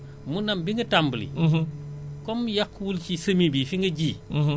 maintenant ñu soog a appliquer taux bi mën na am bi nga tàmbali